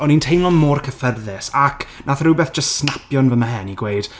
O'n i'n teimlo mor cyfforddus ac wnaeth rhywbeth jyst snapio yn fy mhen i gweud...